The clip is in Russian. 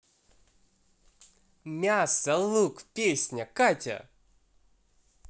мясо лук песня катя